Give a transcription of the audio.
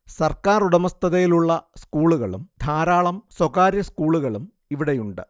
സർക്കാറുടമസ്ഥതയിലുള്ള സ്കൂളുകളും ധാരാളം സ്വകാര്യ സ്കൂളുകളും ഇവിടെയുണ്ട്